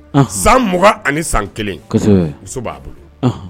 San 20 ani san 1 ,kosɛbɛ, muso b'a bolo, an.